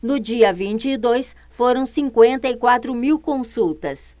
no dia vinte e dois foram cinquenta e quatro mil consultas